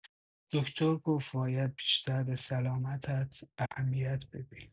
دکتر گفت باید بیشتر به سلامتت اهمیت بدی.